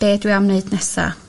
be' dwi am neud nesa